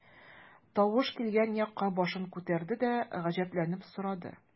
Тавыш килгән якка башын күтәрде дә, гаҗәпләнеп сорады.